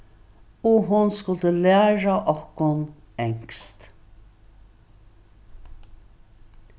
og hon skuldi læra okkum enskt